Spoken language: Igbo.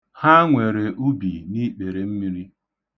Ha nwere ubi n'ikperemmiri.